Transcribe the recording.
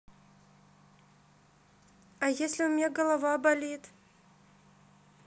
а если у меня голова болит